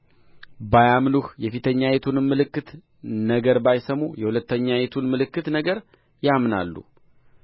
ባያምኑህ የፊተኛይቱንም ምልክት ነገር ባይሰሙ የሁለተኛይቱን ምልክት ነገር ያምናሉ